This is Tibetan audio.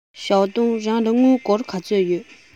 ཞའོ ཏིང རང ལ དངུལ སྒོར ག ཚོད ཡོད